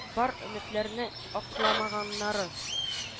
Бар - өметләрне акламаганнары